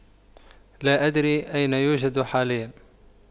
لا أدري أين يوجد حاليا